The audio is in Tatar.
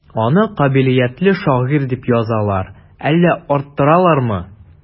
Аны кабилиятле шагыйрь дип язалар, әллә арттыралармы?